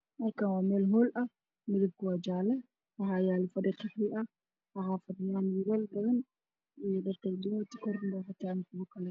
Halkaan waa meel hool ah midabkiisu waa jaale waxaa yaalo fadhi qaxwi ah waxaa fadhiyo wiilal badan oo dhar kale duwan wato oo cadaan ah.